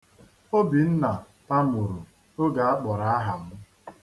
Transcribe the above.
Obinna tamuru oge a kpọrọ aha m.